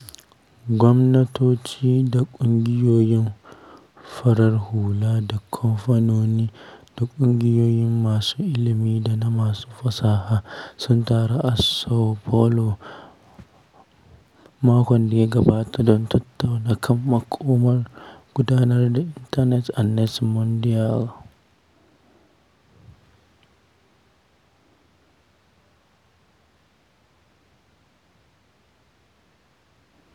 Gwamnatoci, da ƙungiyoiyin farar hula, da kamfanoni, da ƙungiyoin masu ilimi da na masu fasaha sun taru a Sao Paulo makon da ya gabata don tattaunawa kan makomar gudanar da Intanet a NETmundial.